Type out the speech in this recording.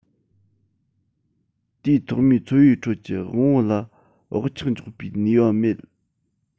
དུས ཐོག མའི འཚོ བའི ཁྲོད ཀྱི དབང པོ ལ བག ཆགས འཇོག པའི ནུས པ མེད